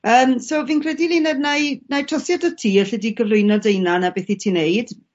Yym so fi'n credu Luned nâi nâi trosi atat ti alle di gyflwyno dy 'unan a beth 'yt ti'n neud